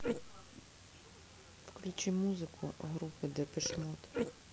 включи музыку группы депеш мод